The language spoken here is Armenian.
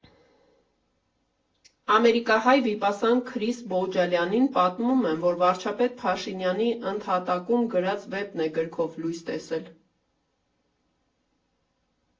Ամերիկահայ վիպասան Քրիս Բոհջալյանին պատմում եմ, որ վարչապետ Փաշինյանի՝ ընդհատակում գրած վեպն է գրքով լույս տեսել։